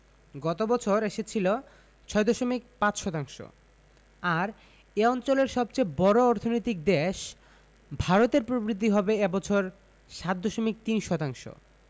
গত বছর এসেছিল ৬.৫ শতাংশ আর এ অঞ্চলের সবচেয়ে বড় অর্থনৈতিক দেশ ভারতের প্রবৃদ্ধি হবে এ বছর ৭.৩ শতাংশ